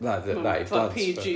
na i blant mae o